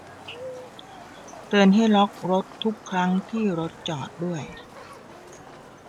เตือนให้ล็อครถทุกครั้งที่รถจอดด้วย